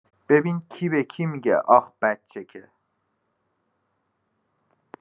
ببین کی به کی می‌گه آخ بچه که